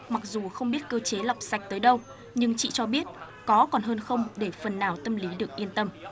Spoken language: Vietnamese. mặc dù không biết cơ chế lọc sạch tới đâu nhưng chị cho biết có còn hơn không để phần nào tâm lý được yên tâm